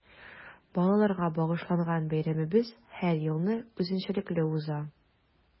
Балаларга багышланган бәйрәмебез һәр елны үзенчәлекле уза.